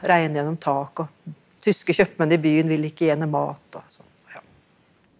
Regner gjennom taket og tyske kjøpmenn i byen vil ikke gi henne mat og .